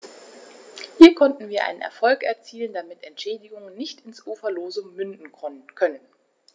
Hier konnten wir einen Erfolg erzielen, damit Entschädigungen nicht ins Uferlose münden können.